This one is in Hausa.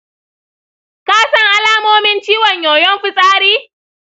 ka san alamomin ciwon yoyon fitsari?